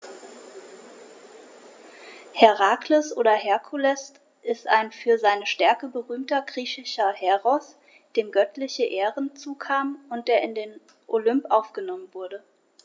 Herakles oder Herkules ist ein für seine Stärke berühmter griechischer Heros, dem göttliche Ehren zukamen und der in den Olymp aufgenommen wurde.